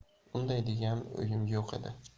unday degan o'yim yo'q edi